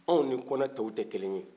anw ni kɔnɛ tɔw tɛ kelen ye